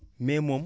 mais moom